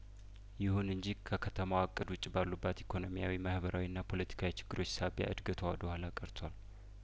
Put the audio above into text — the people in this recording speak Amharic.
ይሁን እንጂ ከከተማዋ እቅድ ውጪባሉባት ኢኮኖሚያዊ ማህበራዊና ፖለቲካዊ ችግሮች ሳቢያእድገቷ ወደ ኋላ ቀርቷል